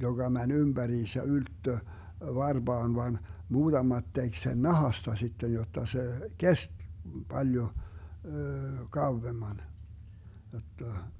joka meni ympäriinsä ylettyi varpaan vaan muutamat teki sen nahasta sitten jotta se kesti paljon kauemmin jotta